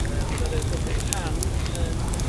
yy mi ddaru o gymryd rhan yn